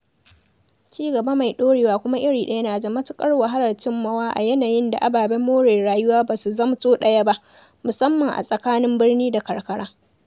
Ci-gaba mai ɗorewa kuma iri ɗaya na da matuƙar wahalar cimmawa a yayin da ababen more rayuwa ba su zamto ɗaya ba, musamman a tsakanin birni da karkara.